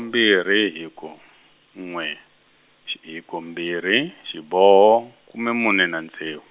mbirhi hiko, n'we, sh- hiko mbirhi, xiboho, kume mune na ntsev-.